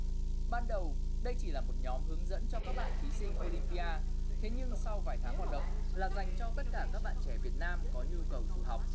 ban đầu đây chỉ là một nhóm hướng dẫn cho các bạn thí sinh ô lym pi a thế nhưng sau vài tháng hoạt động là dành cho tất cả các bạn trẻ việt nam có nhu cầu sử học